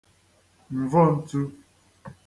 m̀vọntū